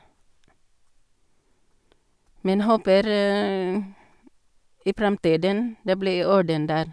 Men håper i fremtiden det blir orden der.